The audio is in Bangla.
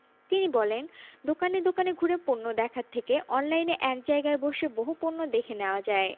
তিনি বলেন দোকানে দোকানে ঘুরে পণ্য দেখার থেকে অনলাইনে এক জায়গায় বসে বহু পণ্য দেখে নেওয়া যায়